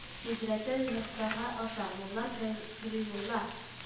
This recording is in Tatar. — сидрәтел-мөнтаһага аша, муллар-көркөримулла